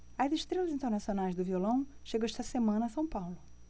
as estrelas internacionais do violão chegam esta semana a são paulo